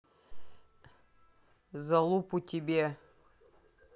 залупу тебе